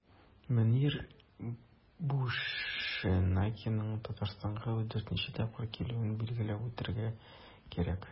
Мөнир Бушенакиның Татарстанга 4 нче тапкыр килүен билгеләп үтәргә кирәк.